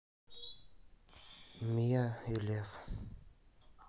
миа и лев